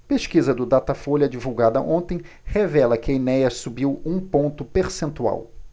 pesquisa do datafolha divulgada ontem revela que enéas subiu um ponto percentual